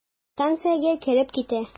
Станциягә кереп китә.